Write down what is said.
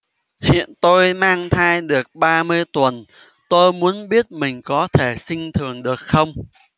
hiện tôi mang thai được ba mươi tuần tôi muốn biết mình có thể sinh thường được không